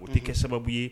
O tɛ kɛ sababu ye